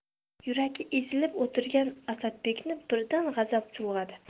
yuragi ezilib o'tirgan asadbekni birdan g'azab chulg'adi